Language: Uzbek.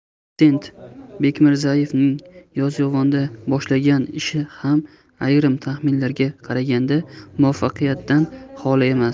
dotsent bekmirzaevning yozyovonda boshlagan ishi ham ayrim taxminlarga qaraganda muvaffaqiyatdan xoli emas